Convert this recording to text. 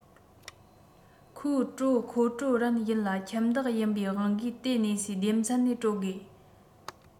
ཁོའི དྲོད མཁོ སྤྲོད རན ཡིན ལ ཁྱིམ བདག ཡིན པའི དབང གིས དེ གནས སའི སྡེ ཚན ནས སྤྲོད དགོས